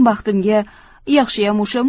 baxtimga yaxshiyam o'sha